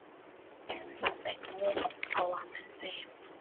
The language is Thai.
บักแตงโม เพราะว่ามันแซ่บ